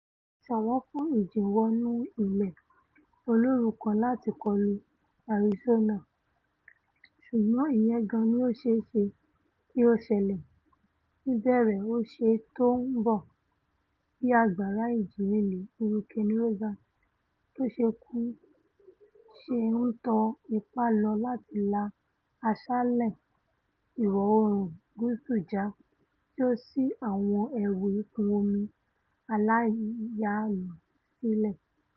ṣọ̀wọ́n fún ìjìnwọnú ilẹ̀ olóoru kan láti kọlu Arizona, ṣùgbọn ìyẹn gan-an ní ó ṣeé ṣe kí ó ṣẹlẹ̀ níbẹ̀rẹ̀ ọ̀sẹ̀ tó ńbọ bí agbara Ìjì líle Hurricane Rosa tóṣẹ́kù ṣe ńtọ ipa lọ láti la Asálẹ Ìwọ̀-oòrùn Gúúsù já, tí ó sì àwọn ewu ìkún-omi aláyalù sílẹ̀.